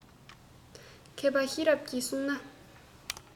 མཁས པ ཤེས རབ ཀྱིས བསྲུང ན